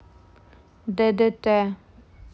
ddt